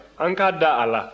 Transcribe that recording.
an k'a da a la